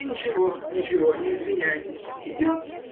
— Ничего, ничего, не извиняйтесь — идет?